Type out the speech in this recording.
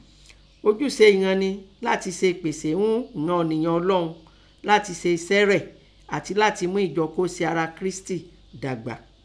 Ojúse ìnan nẹ latin se epese un ìnan ọ̀niyan Ọlọun latin se esẹ́ Re atẹ latin mu ijo kòó se ara Kirisiti dàgbà